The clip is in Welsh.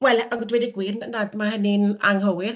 wel, a dweud y gwir n- na, mae hynny'n anghywir.